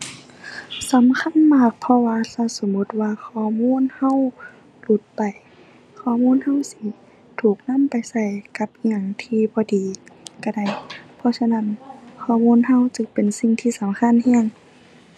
สำคัญมาก เพราะว่าถ้าสมมุติว่าข้อมูลเราหลุดไป ข้อมูลเราสิถูกนำไปเรากับหยังที่ บ่ดีเราได้ เพราะฉะนั้นข้อมูลเรา ถือเป็นสิ่งที่สำคัญเรา